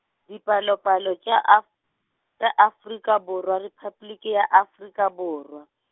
Dipalopalo tša Af-, tša Afrika Borwa, Repabliki ya Afrika Borwa.